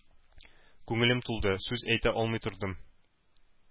Күңелем тулды, сүз әйтә алмый тордым.